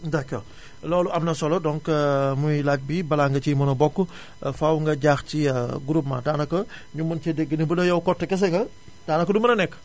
d' accord loolu am na solo donc muy laaj bi balaa nga ciy mën a bokk fàww nga jaar ci groupement daanaka ñu mën cee dégg ne budee yow kott kese nga daanaka du mën a nekk